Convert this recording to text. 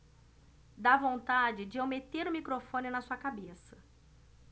dá vontade de eu meter o microfone na sua cabeça